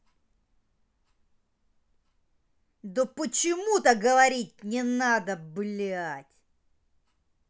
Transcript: да почему то говорить не надо блять